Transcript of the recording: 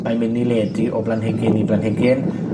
Mae myn' i ledu o blanhigyn i blanhigyn.